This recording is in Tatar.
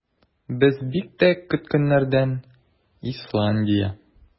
Без бик тә көткәннәрдән - Исландия.